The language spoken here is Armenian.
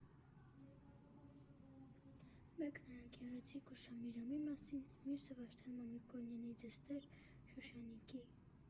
Մեկն Արա Գեղեցիկ ու Շամիրամի մասին, մյուսը՝ Վարդան Մամիկոնյան դստեր՝ Շուշանիկի։